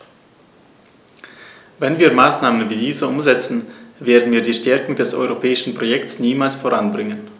Wenn wir Maßnahmen wie diese umsetzen, werden wir die Stärkung des europäischen Projekts niemals voranbringen.